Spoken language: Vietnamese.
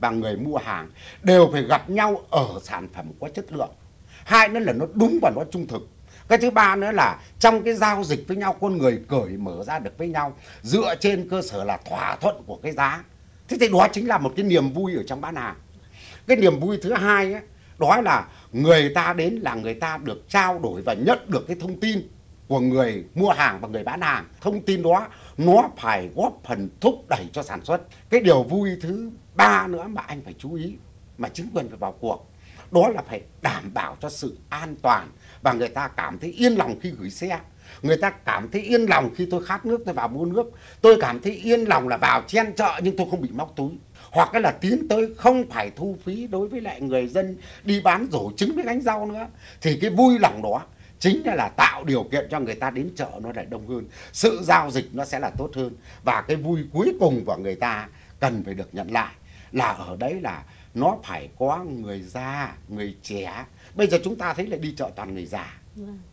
bằng người mua hàng đều phải gặp nhau ở sản phẩm có chất lượng hai nữa là nó đúng và nó trung thực các thứ ba nữa là trong cái giao dịch với nhau con người cởi mở ra được với nhau dựa trên cơ sở là thỏa thuận của cái giá thế thì đó chính là một cái niềm vui ở trong bán à cái niềm vui thứ hai á đó là người ta đến là người ta được trao đổi và nhận được cái thông tin của người mua hàng và người bán hàng thông tin đó nó phải góp phần thúc đẩy cho sản xuất cái điều vui thứ ba nữa mà anh phải chú ý mà chính quyền phải vào cuộc đó là phải đảm bảo cho sự an toàn và người ta cảm thấy yên lòng khi gửi xe người ta cảm thấy yên lòng khi tôi khát nước tôi vào mua nước tôi cảm thấy yên lòng là vào chen chợ nhưng tôi không bị móc túi hoặc ấy là tiến tới không phải thu phí đối với lại người dân đi bán rổ trứng với gánh rau nữa thì cái vui lòng đó chính là tạo điều kiện cho người ta đến chợ nó lại đông hơn sự giao dịch nó sẽ là tốt hơn và cái vui cuối cùng của người ta á cần phải được nhận lại là ở đấy là nó phải có người già người trẻ bây giờ chúng ta thấy là đi chợ toàn người già